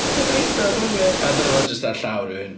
Jysd rhoid o rhwng yr... A dyna fo jyst ar llaw rhywun.